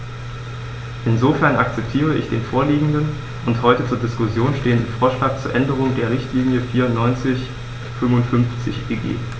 Insofern akzeptiere ich den vorliegenden und heute zur Diskussion stehenden Vorschlag zur Änderung der Richtlinie 94/55/EG.